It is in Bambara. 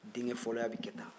denkɛ fɔlɔya bɛ kɛ tan